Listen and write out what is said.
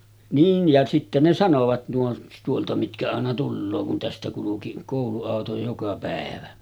niin ja sitten ne sanoivat nuo tuolta mitkä aina tulee kun tästä kulki kouluauto joka päivä